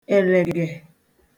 èlègè